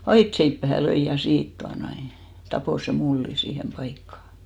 aitaseipääseen löi ja siitä tuota noin tappoi sen mullin siihen paikkaan